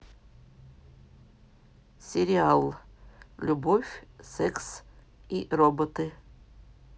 сериал любовь секс и роботы